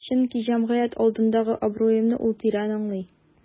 Чөнки җәмгыять алдындагы абруемны ул тирән аңлый.